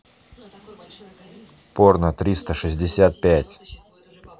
порно триста шестьдесят пять